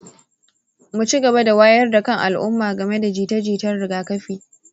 muna ci gaba da wayar da kan al'umma game da jita-jitar rigakafi.